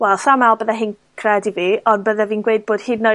Wel sa'n meddwl bydde hi'n credu fi, ond bydde fi'n gweud bod hyd yn oed